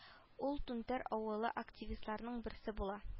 Ул түнтәр авылы активистларының берсе була